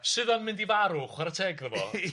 Sydd yn mynd i farw chware teg iddo fo. Ia.